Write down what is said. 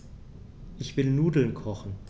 Ich will Nudeln kochen.